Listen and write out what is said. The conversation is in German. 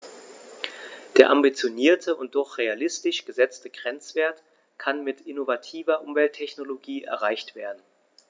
Der ambitionierte und doch realistisch gesetzte Grenzwert kann mit innovativer Umwelttechnologie erreicht werden.